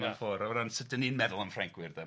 mewn ffor o ran sut 'dan ni'n meddwl am Ffrancwyr 'de,